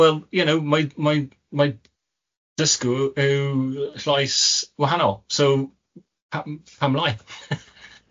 wel, you know, mae'n, mae'n, mae'n dysgwr yw llais wahanol, so pa- m- pam lai?